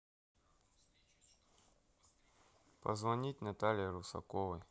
позвонить наталье русаковой